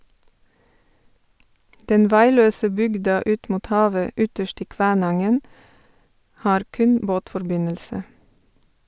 Den vegløse bygda ut mot havet ytterst i Kvænangen har kun båtforbindelse.